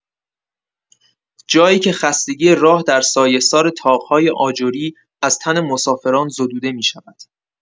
جایی که خستگی راه در سایه‌سار طاق‌های آجری از تن مسافران زدوده می‌شود.